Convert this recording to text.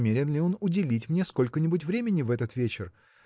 намерен ли он уделить мне сколько-нибудь времени в этот вечер?